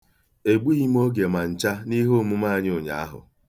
Egbughị m oge ma ncha n'iheomume anyị ụnyaahụ.